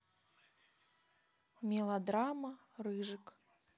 мелодрама рыжик